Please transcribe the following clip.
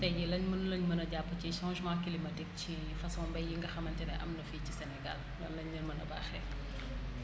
tay jii lan lañ mun a jàpp ci changement climatique ci façon mbay yi nga xamante ne am na fii ci Sénégal lan lañ leen mën a baaxee